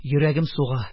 Йөрәгем суга,